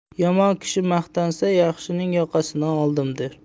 yomon kishi maqtansa yaxshining yoqasidan oldim der